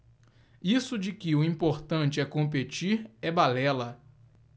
isso de que o importante é competir é balela